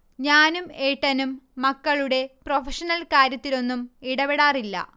ഞാനും ഏട്ടനും മക്കളുടെ പ്രൊഫഷണൽ കാര്യത്തിലൊന്നും ഇടപെടാറില്ല